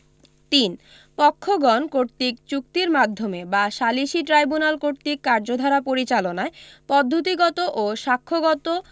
৩ পক্ষগণ কর্তৃক চুক্তির মাধ্যমে বা সালিসী ট্রাইব্যুনাল কর্তৃক কার্যধারা পরিচালনায় পদ্ধতিগত ও সাক্ষ্যগত